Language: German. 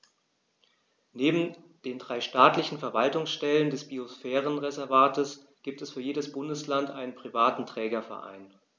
Neben den drei staatlichen Verwaltungsstellen des Biosphärenreservates gibt es für jedes Bundesland einen privaten Trägerverein.